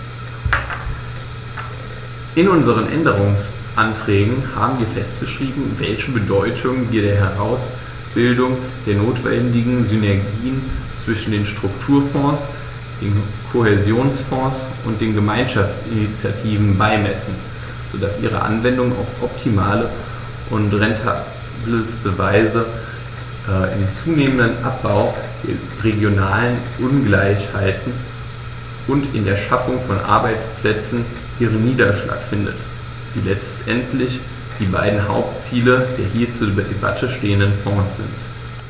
In unseren Änderungsanträgen haben wir festgeschrieben, welche Bedeutung wir der Herausbildung der notwendigen Synergien zwischen den Strukturfonds, dem Kohäsionsfonds und den Gemeinschaftsinitiativen beimessen, so dass ihre Anwendung auf optimale und rentabelste Weise im zunehmenden Abbau der regionalen Ungleichheiten und in der Schaffung von Arbeitsplätzen ihren Niederschlag findet, die letztendlich die beiden Hauptziele der hier zur Debatte stehenden Fonds sind.